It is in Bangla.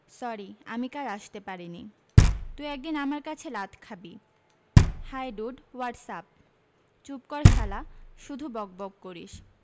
সরি আমি কাল আসতে পারিনি তুই একদিন আমার কাছে লাথ খাবি হাই ডুড হোয়াটস আপ চুপ কর শালা শুধু বকবক করিস